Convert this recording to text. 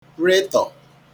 retọ̀